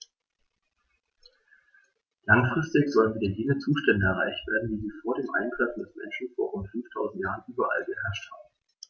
Langfristig sollen wieder jene Zustände erreicht werden, wie sie vor dem Eintreffen des Menschen vor rund 5000 Jahren überall geherrscht haben.